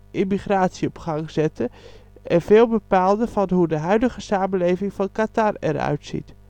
immigratie op gang zette, en veel bepaalde van hoe de huidige samenleving van Qatar er uitziet